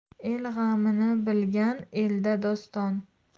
el g'amini bilgan elda doston